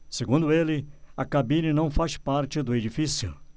segundo ele a cabine não faz parte do edifício